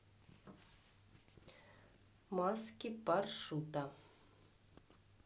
маски паршута